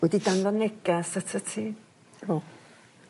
Wedi danfon negas atat ti. O.